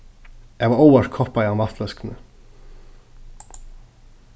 av óvart koppaði hann vatnfløskuni